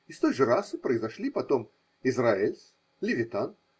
Из той же расы произошли потом Израэльс, Левитан.